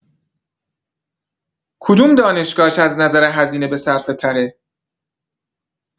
کدوم دانشگاهش از نظر هزینه بصرفه‌تره؟